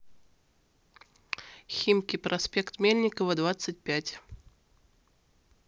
химки проспект мельникова двадцать пять